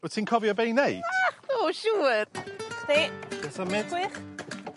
Wt ti'n cofio be i neud? Nacdw siŵr! Chdi. Chi'n symud. Gwych.